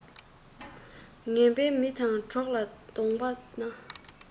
ངན པའི མི དང གྲོགས ལ བསྡོངས པ ན